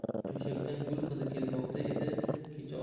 to'shakdan gul hidi kelmoqda edi kecha